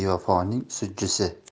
yo'q bevafoning sujjisi